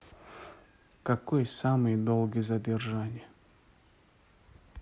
какое самое долгое задержание